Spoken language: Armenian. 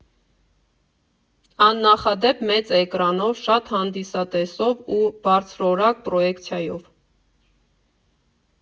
Աննախադեպ մեծ էկրանով, շատ հանդիսատեսով ու բարձրորակ պրոյեկցիայով։